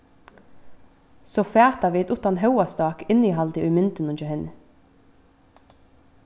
so fata vit uttan hóvasták innihaldið í myndunum hjá henni